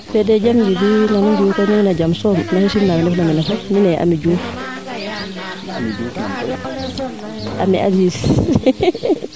fedee jam Djiby nam nu mbiyu kou nuun wey no jam soom maxey simna wee ndefna mene fop mi ne'e Amy Diouf Amy Aziz